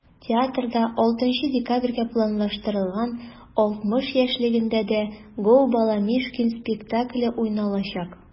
Театрда 6 декабрьгә планлаштырылган 60 яшьлегендә дә “Gо!Баламишкин" спектакле уйналачак.